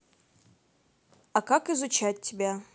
а как изучать тебя